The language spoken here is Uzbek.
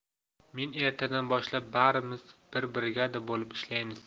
men ertadan boshlab barimiz bir brigada bo'lib ishlaymiz